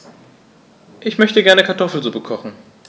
Ich möchte gerne Kartoffelsuppe kochen.